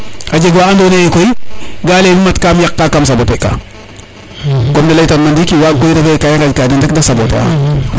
a jega wa ndo naye a njaɓa a lal ganel kene faxe de ngaƴin a jeg wa ando naye koy ga leye miyo mat kam yaqa kam sabote ka comme ne leyta numa ndiki waga koy refe ka i ŋaƴ ka den rek de saboter a